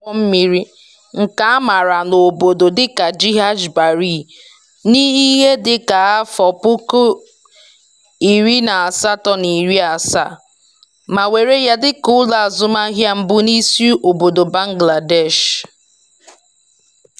E wuru ụlọ ahụ dị ka ụgbọ mmiri, nke a maara n'obodo dị ka "Jahaj Bari", n'ihe dị ka afọ 1870 ma were ya dị ka ụlọ azụmahịa mbụ n'isi obodo Bangladesh.